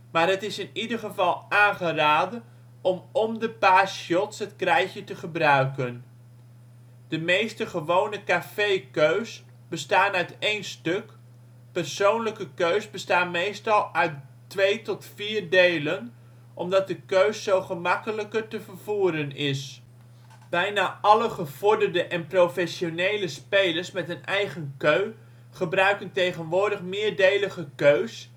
maar het is in ieder geval aangeraden om om de paar shots het krijtje te gebruiken. De meeste ' gewone ' cafékeus bestaan uit één stuk; persoonlijke keus bestaan meestal uit twee tot vier delen, omdat de keu zo gemakkelijker te vervoeren is. Bijna alle gevorderde en professionele spelers met een eigen keu gebruiken tegenwoordig meerdelige keus